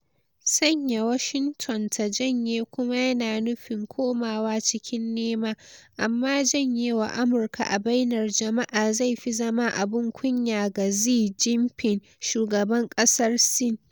Sanya Washington ta janye kuma yana nufin komawa cikin nema, amma janye wa Amurka a bainar jama’a zai fi zama abun kunya ga Xi Jinping, Shugaban ƙasar Sin.